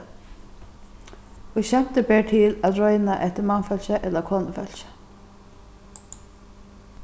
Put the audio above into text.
í skemti ber til at royna eftir mannfólki ella konufólki